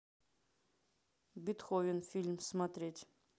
бетховен фильм смотреть